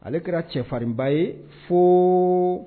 Ale kɛra cɛfarinba ye foo